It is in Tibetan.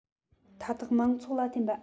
མཐའ དག མང ཚོགས ལ བརྟེན པ